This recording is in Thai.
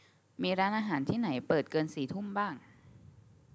มีร้านอาหารที่ไหนเปิดเกินสี่ทุ่มบ้าง